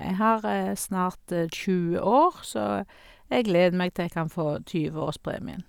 Jeg har snart tjue år, så jeg gleder meg til jeg kan få tjueårspremien.